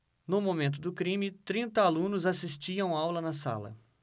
no momento do crime trinta alunos assistiam aula na sala